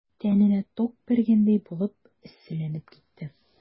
Тәненә ток бәргәндәй булып эсселәнеп китте.